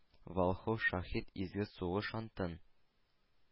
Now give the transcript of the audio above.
Волхов шаһит: изге сугыш антын